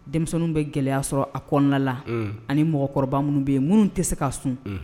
Denmisɛnnin bɛ gɛlɛya sɔrɔ a kɔnɔna la ani mɔgɔkɔrɔba minnu bɛ yen minnu tɛ se ka sun